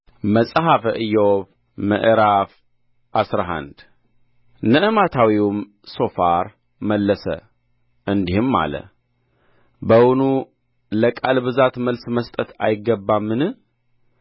መጽሐፈ ኢዮብ ምዕራፍ አስራ አንድ ነዕማታዊውም ሶፋር መለስ እንዲህም አለ በውኑ ለቃል ብዛት መልስ መስጠት አይገባምን